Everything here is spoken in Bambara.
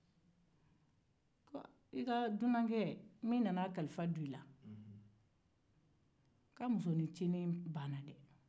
k'i ka dunanke musoninncinin banna dɛ